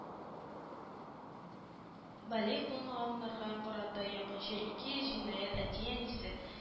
Балиг булмаганнарга карата якынча ике йөз җинаять әти-әнисе